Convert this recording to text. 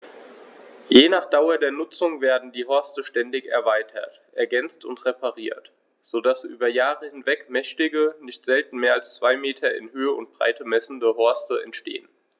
Je nach Dauer der Nutzung werden die Horste ständig erweitert, ergänzt und repariert, so dass über Jahre hinweg mächtige, nicht selten mehr als zwei Meter in Höhe und Breite messende Horste entstehen.